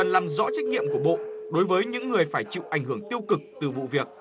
cần làm rõ trách nhiệm của bộ đối với những người phải chịu ảnh hưởng tiêu cực từ vụ việc